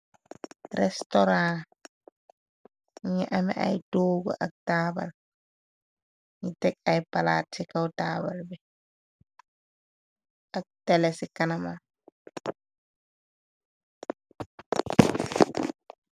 Restoran mungi nami ay toogu ak taabar ni tej ay palaat ci kaw taabar bi ak tele ci kanamam.